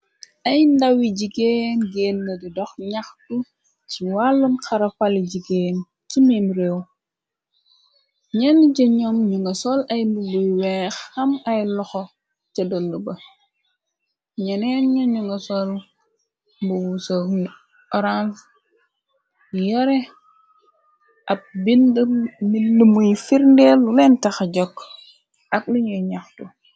Ay ndawi jigéen géenna di dox ñaxtu ci wàllun xarafal jigéen ci mim réew ñeenn ca ñoom ñu nga sol ay mbubuy weex xam ay loxo ca dënd ba ñeneen ñu ñu nga sol mbubusë n orance di yare ab bindi mbindi muy firndeel leen taxa jokk ak luñuy ñaxtu.